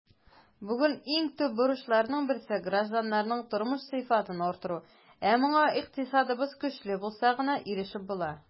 Бүген иң төп бурычларның берсе - гражданнарның тормыш сыйфатын арттыру, ә моңа икътисадыбыз көчле булса гына ирешеп була.